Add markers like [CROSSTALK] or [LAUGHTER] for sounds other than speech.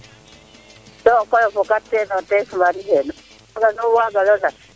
so koy o fakateen o tees Marie Sene ten rek [UNINTELLIGIBLE]